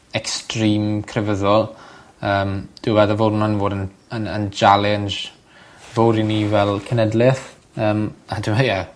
extreme crefyddol yym dwi feddwl fod 'wnna'n myn' i fod yn yn yn jialens fowr i ni fel c'nedleth. Yym a t'mo' hy- ia